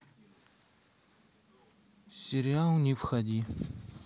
сериал не входи